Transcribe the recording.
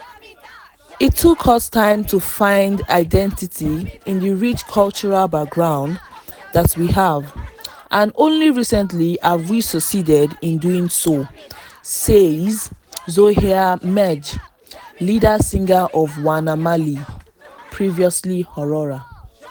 “It took us time to find identity in the rich cultural background that we have, and only recently have we succeeded in doing so” says Zouheir Mejd, lead singer for Wana Mali (previously Aurora).